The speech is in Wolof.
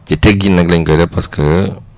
ci teggin nag lañ koy def parce que